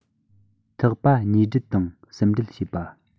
ཐག པ ཉིས སྒྲིལ དང སུམ སྒྲིལ བྱས པ